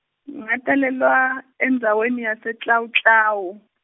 ngatalelwa, endzaweni yaseClau-Clau.